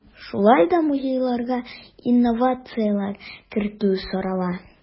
Шулай да музейларга инновацияләр кертү сорала.